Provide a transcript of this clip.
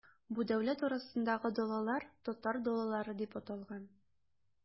Бу дәүләт арасындагы далалар, татар далалары дип аталган.